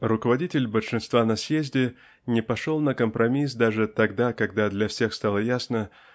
Руководитель большинства на съезде не пошел на компромисс даже тогда когда для всех стало ясно